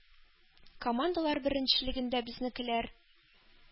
Командалар беренчелегендә безнекеләр,